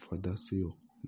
foydasi yo'q